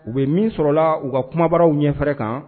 U bɛ min sɔrɔla u ka kumabararaww ɲɛfɛɛrɛ kan